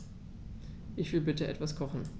Ich will bitte etwas kochen.